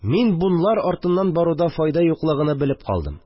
Мин бунлар артыннан баруда файда юклыгыны белеп калдым